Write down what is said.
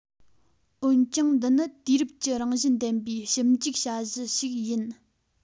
འོན ཀྱང འདི ནི དུས རབས ཀྱི རང བཞིན ལྡན པའི ཞིབ འཇུག བྱ གཞི ཞིག ཡིན